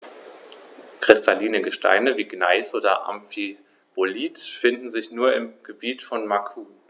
Kristalline Gesteine wie Gneis oder Amphibolit finden sich nur im Gebiet von Macun.